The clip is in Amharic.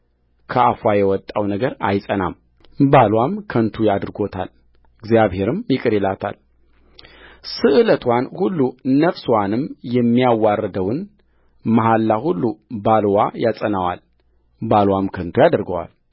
ከአፍዋ የወጣው ነገር አይጸናም ባልዋ ከንቱ አድርጎታል እግዚአብሔርም ይቅር ይላታልስእለትዋን ሁሉ ነፍስዋንም የሚያዋርደውን መሐላ ሁሉ ባልዋ ያጸናዋል ባልዋም ከንቱ ያደርገዋል